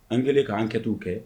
An kɛlen ka enquêtes kɛ